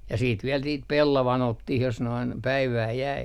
ja sitten vielä niitä pellavan otto jos noin päivää jäi